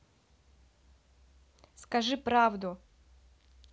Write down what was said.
скажи правду